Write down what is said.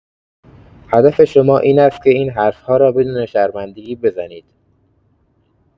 هدف شما این است که این حرف‌ها را بدون شرمندگی بزنید.